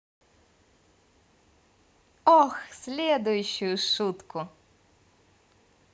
oh следующую шутку